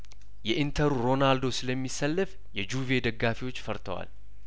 የኢንተሩ ሮናልዶ ስለሚ ሰለፍ የጁቬ ደጋፊዎች ፈርተዋል